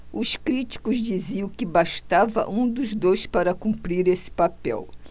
os críticos diziam que bastava um dos dois para cumprir esse papel